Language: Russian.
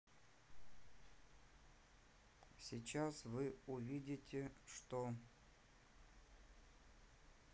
сейчас вы увидите что